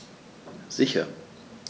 Sicher.